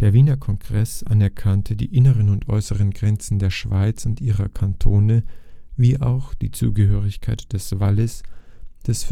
Wiener Kongress anerkannte die inneren und äußeren Grenzen der Schweiz und ihrer Kantone wie auch die Zugehörigkeit des Wallis, des